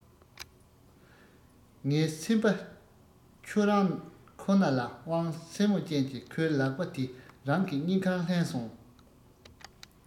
ངའི སེམས པ ཁྱོད རང ཁོ ན ལ དབང སེན མོ ཅན གྱི ཁོའི ལག པ དེ རང གི སྙིང གར ལྷན སོང